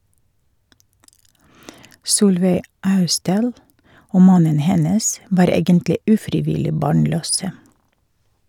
Solveig Austdal og mannen hennes var egentlig ufrivillig barnløse.